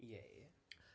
Ie.